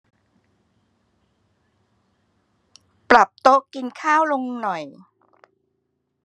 ปรับโต๊ะกินข้าวลงหน่อย